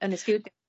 Y y stiwdio?